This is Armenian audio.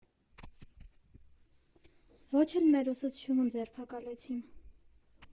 Ոչ էլ մեր ուսուցչուհուն ձերբակալեցին։